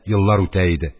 Еллар үтә иде.